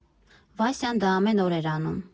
Վասյան դա ամեն օր էր անում։